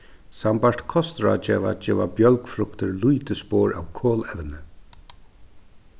sambært kostráðgeva geva bjølgfruktir lítið spor av kolevni